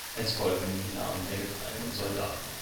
Es folgen die Namen der gefallenen Soldaten